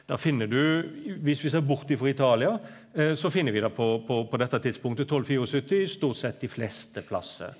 det finn du viss vi ser bort ifrå Italia så finn vi det på på på dette tidspunktet 1274 stort sett dei fleste plassar.